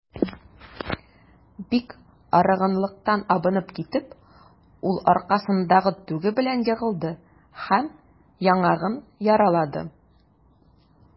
Бик арыганлыктан абынып китеп, ул аркасындагы тюгы белән егылды һәм яңагын яралады.